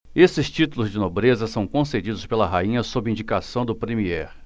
esses títulos de nobreza são concedidos pela rainha sob indicação do premiê